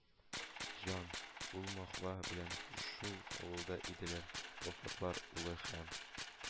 Җан: ул маһва белән шул авылда иделәр, вафатлар, улы һәм